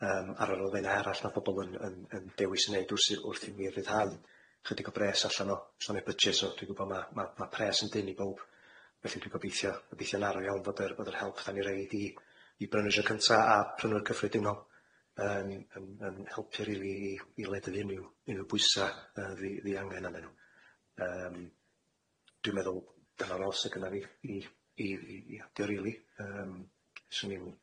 yym ar yr elfenna arall fatha bo nw'n yn yn dewis neud rywsut wrth i ni ryddhau chydig o bres allan o allan o'i bujet so dwi'n gwbo bo ma' ma' pres yn dynn i bowb felly dwi'n gobeithio gobeithio'n arw iawn bod y bod yr help 'dan i'n roid i i brynwyr tro cynta a prynwyr cyffredinol yym yn yn helpu rili i i leddfu riw unryw bwysa yy ddi- ddiangan arnyn nw yym dwi'n meddwl dyna'r oll sydd genna fi i i i i adio rili.